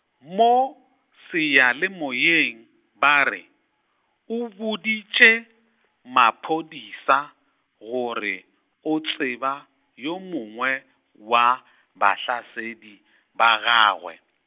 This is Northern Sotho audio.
mo, seyalemoyeng ba re, o boditše, maphodisa, gore, o tseba, yo mongwe, wa, bahlasedi, ba gagwe.